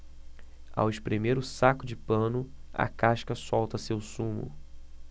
ao espremer o saco de pano a casca solta seu sumo